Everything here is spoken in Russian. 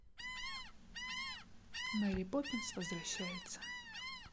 мэри поппинс возвращается